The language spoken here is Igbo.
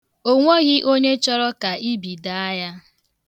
E nweghị onye chọrọ ka ibi daa ya.